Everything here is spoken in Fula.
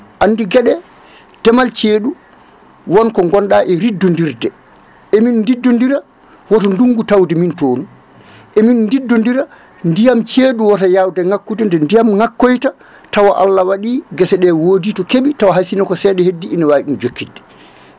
andi gueɗe ndeemal ceeɗu wonko ko gonɗa e riddodirde emin diddodira woto ndungu tawde min toon emin diddodira ndiyam ceeɗu woto yawde ngakkude nde ndiyam ngakkoyta tawa Allah waɗi gueseɗe wodi to keeɓi tawa hay sinno ko seeɗa heddi ene wawi ɗum jokkidde